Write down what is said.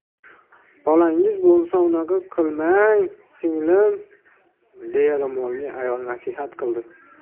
bolangiz bo'lsa unaqa qilmang singlim deya ro'molli ayol nasihat qildi